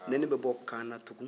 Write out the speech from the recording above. n'i ne bɛ bɔ kaana tugun